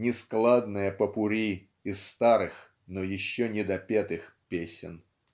нескладное попурри из старых но еще недопетых песен".